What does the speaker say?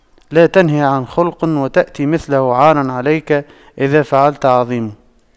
لا تنه عن خلق وتأتي مثله عار عليك إذا فعلت عظيم